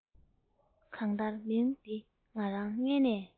གང ལྟར མིང འདི ང རང མངལ ནས